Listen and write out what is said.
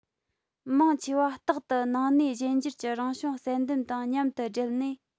མང ཆེ བ རྟག ཏུ ནང གནས གཞན འགྱུར གྱི རང བྱུང བསལ འདེམས དང མཉམ དུ འབྲེལ ནས